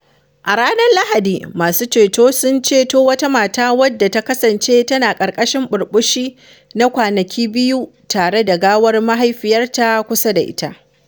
A ranar Lahadi, masu ceto sun ceto wata mata wanda ta kasance tana ƙarƙashin burbushi na kwanaki biyu tare da gawar mahaifiyarta kusa da ita.